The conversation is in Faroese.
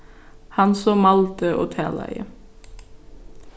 hann so mældi og talaði